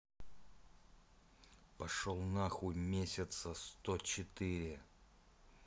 пошел нахуй месяца сто четыре